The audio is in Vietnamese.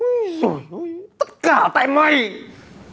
ui dổ ôi tất cả tại mày